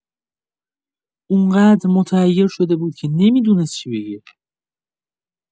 اونقدر متحیر شده بود که نمی‌دونست چی بگه.